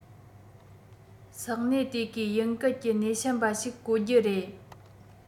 ས གནས དེ གའི དབྱིན སྐད ཀྱི སྣེ ཤན པ ཞིག བཀོལ རྒྱུ རེད